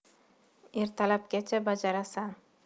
ertalabgacha bajarasan